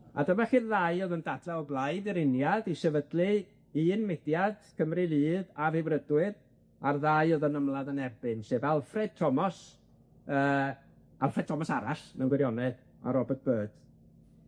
A dyma chi'r ddau oedd yn dadla o blaid yr uniad i sefydlu un mudiad Cymru Fydd a Ryddfrydwyr, a'r ddau oedd yn ymladd yn erbyn, sef Alfred Thomas yy Alfred Thomas arall mewn gwirionedd, a Robert Byrd.